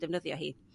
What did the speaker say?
defnyddio hi.